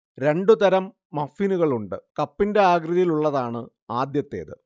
രണ്ടു തരം മഫ്ഫിനുകളുണ്ട്, കപ്പിന്റെ ആകൃതിയിലുള്ളതാണ് ആദ്യത്തേത്